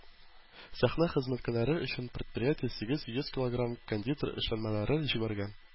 Сәхнә хезмәткәрләре өчен предприятие сигез йөз килограмм кондитер эшләнмәләре җибәргән.